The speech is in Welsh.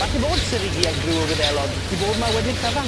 Falle bod Seigiri a'i gryw o Wyddelod 'di bob 'ma wedi'r cyfan.